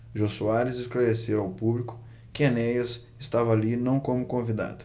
jô soares esclareceu ao público que enéas estava ali não como convidado